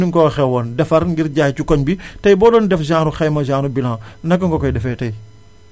ni mu ko waxee woon defar ngir jaay ci koñ bi tay boo doon def genre xayma genre bilan naka nga koy defee tay